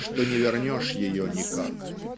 что не вернешь ее никак".